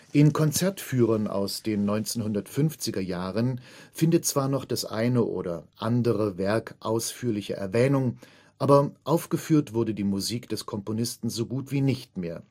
In Konzertführern aus den 1950er Jahren findet zwar noch das eine oder andere Werk ausführliche Erwähnung, aber aufgeführt wurde die Musik des Komponisten so gut wie nicht mehr